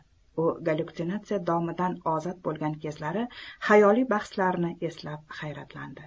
u gallyutsinatsiya domidan ozod bo'lgan kezlari xayoliy bahslarni eslab hayratlandi